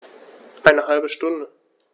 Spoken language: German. Eine halbe Stunde